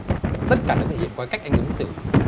tất cả nó thể hiện qua cách anh ứng xử